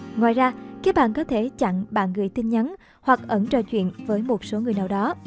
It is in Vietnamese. ngoài ra các bạn có thể chọn bạn gửi tin nhắn hoặc ẩn trò chuyện với số người nào đó